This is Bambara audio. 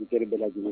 N teri bɛ lajɛlen